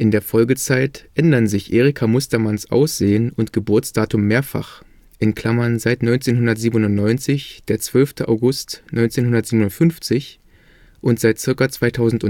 der Folgezeit ändern sich Erika Mustermanns Aussehen und Geburtsdatum mehrfach (seit 1997 der 12. August 1957 und seit ca. 2001